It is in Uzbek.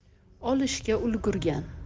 olishga ulgurgan